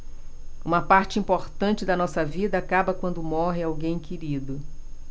uma parte importante da nossa vida acaba quando morre alguém querido